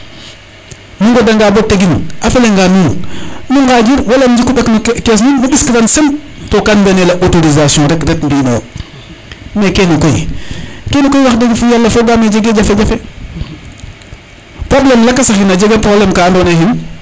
nu ŋoda nga bo tegin a fela nga nuun nu ngajir wala nu njiku ɓek no caisse nuun nu ɓiskiran sen to kan mbiya nel a autorisation rek ret mbi ino yo mais kene koy kene koy wax deg yala jege jafe jafe probleme lakasa a xin a jega probleme ka ando naye xin